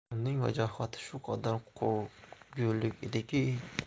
uning vajohati shu qadar qo'rqgulik ediki